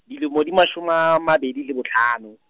di lemo di mashome a, mabedi le bohlano.